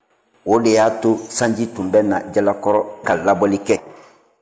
o de y'a to sanji tun bɛ na jalakɔrɔ ka labɔli kɛ